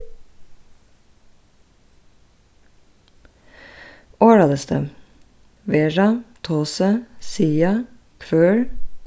orðalisti vera tosi siga hvør